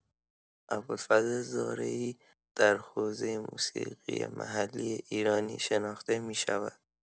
ابوالفضل زارعی در حوزه موسیقی محلی ایرانی شناخته می‌شود.